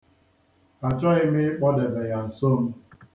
A chọghịm ịkpọdebe ya nso m.